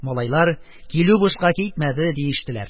Малайлар: килү бушка китмәде, диештеләр: